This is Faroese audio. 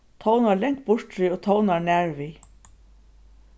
tónar langt burturi og tónar nær við